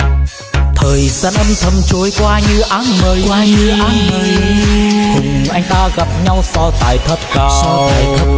thời gian âm thầm trôi qua như áng mây hùng anh ta gặp nhau so tài thấp cao